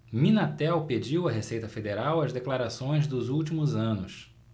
minatel pediu à receita federal as declarações dos últimos anos